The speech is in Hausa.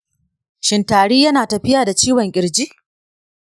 shin tari yana tafiya da ciwon ƙirji?